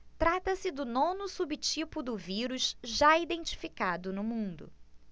trata-se do nono subtipo do vírus já identificado no mundo